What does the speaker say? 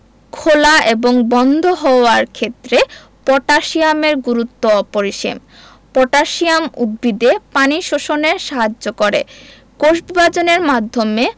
খেলা এবং বন্ধ হওয়ার ক্ষেত্রে পটাশিয়ামের গুরুত্ব অপরিসীম পটাশিয়াম উদ্ভিদে পানি শোষণে সাহায্য করে কোষবিভাজনের মাধ্যমে